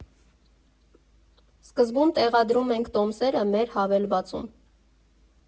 Սկզբում տեղադրում ենք տոմսերը մեր հավելվածում։